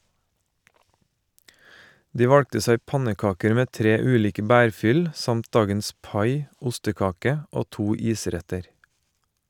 De valgte seg pannekaker med tre ulike bærfyll, samt dagens pai (ostekake) og to isretter.